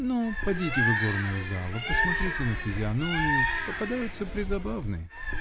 Но подите в игорную залу, посмотрите на физиономии. Попадаются презабавные.